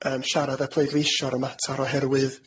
yn siarad a pleidleisio ar y matar oherwydd